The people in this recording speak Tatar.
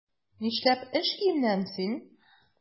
Нишләп эш киеменнән син?